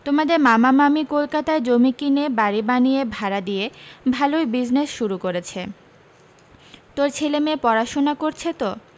তোমাদের মামা মামী কোলকাতায় জমি কিনে বাড়ী বানিয়ে ভাড়া দিয়ে ভালোই বিজনেস শুরু করেছে তোর ছেলে মেয়ে পড়াশুনা করছে তো